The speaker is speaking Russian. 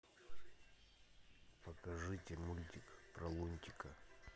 покажите мультик про лунтика